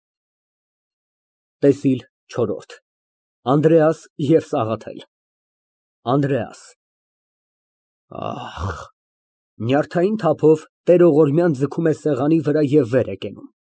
ՏԵՍԻԼ ՉՈՐՐՈՐԴ ԱՆԴՐԵԱՍ ԵՎ ՍԱՂԱԹԵԼ ԱՆԴՐԵԱՍ ֊ Ահ։ (Նյարդային թափով տերողորմյան ձգում է սեղանի վրա և վեր է կենում)